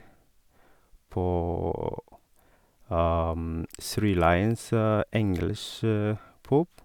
På Three Lions English Pub.